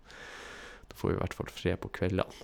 Da får vi hvert fall fred på kveldene.